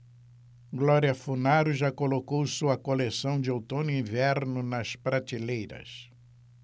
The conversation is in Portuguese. glória funaro já colocou sua coleção de outono-inverno nas prateleiras